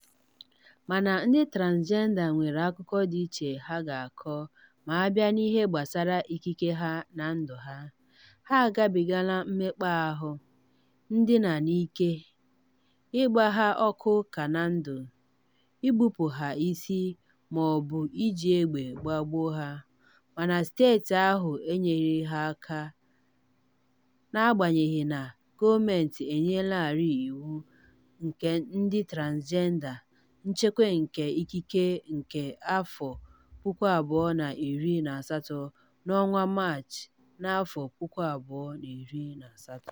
Mana, ndị transịjenda nwere akụkọ dị iche ha ga-akọ ma a bịa n'ihe gbasara ikike ha na ndụ ha; ha agibigaala mmekpa ahụ, ndina n'ike, ịgba ha ọkụ ka na ndụ, igbupụ ha isi ma ọbụna iji egbe gbagbuo ha, mana steeti ahụ enyeghị ha aka na-agbanyeghị na gọọmentị enyelaarị Iwu nke Ndị Transịjenda (Nchekwa nke Ikike) nke 2018 n'ọnwa Maachị 2018.